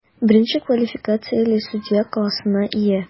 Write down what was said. Беренче квалификацияле судья классына ия.